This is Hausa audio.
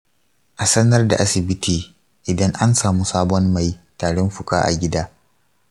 a sanar da asibiti idan an samu sabon mai tarin fuka a gida.